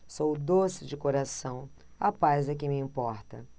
sou doce de coração a paz é que me importa